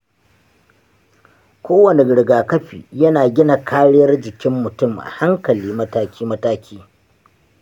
kowane rigakafi yana gina kariyar jikin mutum a hankali mataki-mataki.